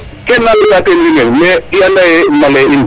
kene naa ɓekaa teen wiin we ndaa i anda yee malee in,